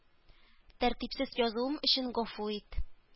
Тәртипсез язуым өчен гафу ит.